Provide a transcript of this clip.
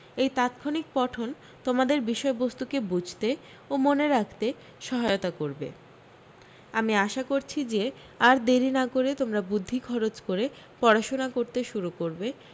এই তাৎক্ষণিক পঠন তোমাদের বিষয়বস্তুকে বুঝতে ও মনে রাখতে সহায়তা করবে আমি আশা করছি যে আর দেরি না করে তোমরা বুদ্ধি খরচ করে পড়াশোনা করতে শুরু করবে